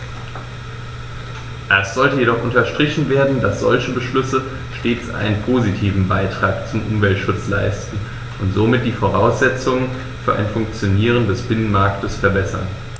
Es sollte jedoch unterstrichen werden, dass solche Beschlüsse stets einen positiven Beitrag zum Umweltschutz leisten und somit die Voraussetzungen für ein Funktionieren des Binnenmarktes verbessern.